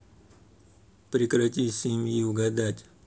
прекрати семьи угадать